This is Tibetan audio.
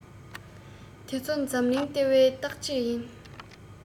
དེ ཚོ འཛམ གླིང ལྟེ བའི བརྟག དཔྱད ཡིན